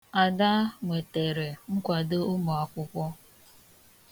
Ada nwetere nkwado ụmụakwụkwọ.